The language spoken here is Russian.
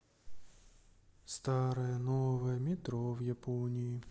старое новое метро в японии